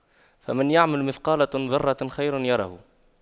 فَمَن يَعمَل مِثقَالَ ذَرَّةٍ خَيرًا يَرَهُ